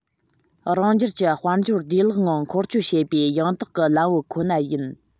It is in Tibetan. རང རྒྱལ གྱི དཔལ འབྱོར བདེ བླག ངང འཁོར སྐྱོད བྱེད པའི ཡང དག གི ལམ བུ ཁོ ན ཡིན